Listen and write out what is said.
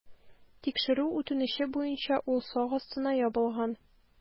Тикшерү үтенече буенча ул сак астына ябылган.